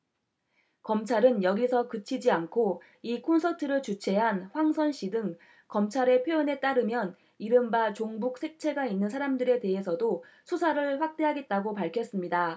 검찰은 여기서 그치지 않고 이 콘서트를 주최한 황선 씨 등 검찰의 표현에 따르면 이른바 종북 색채가 있는 사람들에 대해서도 수사를 확대하겠다고 밝혔습니다